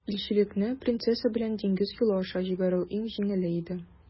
Илчелекне принцесса белән диңгез юлы аша җибәрү иң җиңеле иде.